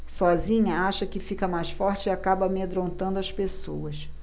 sozinha acha que fica mais forte e acaba amedrontando as pessoas